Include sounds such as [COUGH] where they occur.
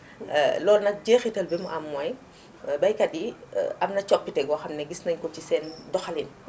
[HESITATION] loolu nag jeexital bi mu am mooy [BREATH] baykat yi [HESITATION] am na copite boo xam ni gis nañu ko si seen doxalin